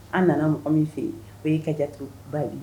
An nana mɔgɔ min fe ye o y'i ka jatigiba ye